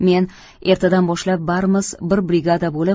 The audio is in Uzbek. men ertadan boshlab barimiz bir brigada bo'lib